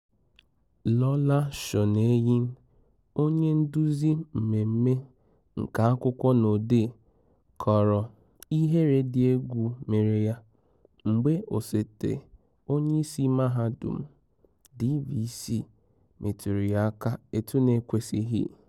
Lola Shoneyin, onye nduzi mmemme nke akwụkwọ na odee, kọrọ "ihere dị egwu" mere ya mgbe Osote Onyeisi Mahadum (DVC) metụrụ ya aka etu na-ekwesighị: